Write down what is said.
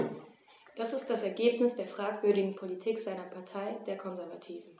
Das ist das Ergebnis der fragwürdigen Politik seiner Partei, der Konservativen.